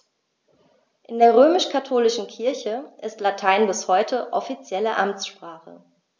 In der römisch-katholischen Kirche ist Latein bis heute offizielle Amtssprache.